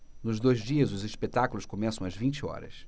nos dois dias os espetáculos começam às vinte horas